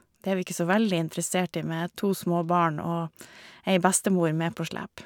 Det er vi ikke så veldig interessert i med to små barn og ei bestemor med på slep.